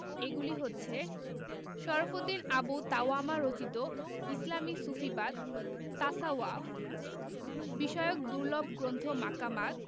এগুলি হচ্ছে শরফুদ্দীন আবু তাওয়ামা রচিত ইসলামি সুফিবাদ তাছাওয়াফ বিষয়ক দুর্লভ গ্রন্থ মাকামাত